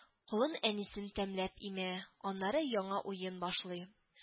Колын әнисен тәмләп имә, аннары яңа уен башлый